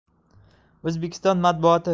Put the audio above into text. o'zbekiston matbuoti